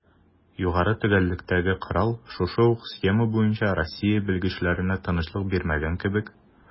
Югары төгәллектәге корал шушы ук схема буенча Россия белгечләренә тынычлык бирмәгән кебек: